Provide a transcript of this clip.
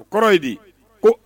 O kɔrɔ ye di ? ko